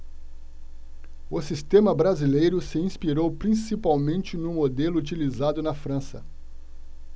o sistema brasileiro se inspirou principalmente no modelo utilizado na frança